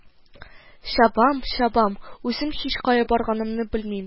Ча-бам-чабам, үзем һичкая барганымны белмим